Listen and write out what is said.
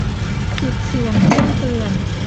ปิดเสียงแจ้งเตือน